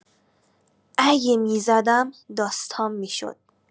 اگه می‌زدم داستان می‌شد